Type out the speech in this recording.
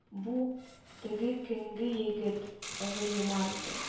Бу – теге көнге егет – Гыйльман иде